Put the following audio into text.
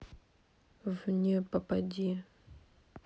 в не попади